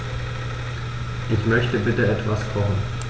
Ich möchte bitte etwas kochen.